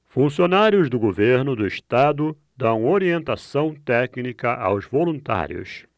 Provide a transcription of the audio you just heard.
funcionários do governo do estado dão orientação técnica aos voluntários